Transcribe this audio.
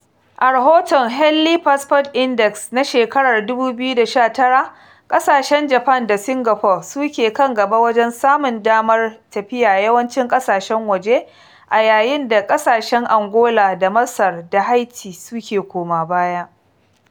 A rahoton Henley Passport Index na shekarar 2019, ƙasashen Japan da Singapore su ke kan gaba wajen samun damar tafiya yawancin ƙasashen waje, a yayin da ƙasashen Angola da Masar da Haiti su ke koma baya.